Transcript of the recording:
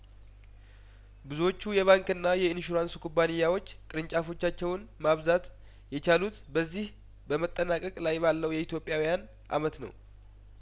ብዙዎቹ የባንክና የኢንሹራንስ ኩባንያዎች ቅርንጫፎቻቸውን ማብዛት የቻሉት በዚህ በመጠናቀቅ ላይ ባለው የኢትዮጵያውያን አመት ነው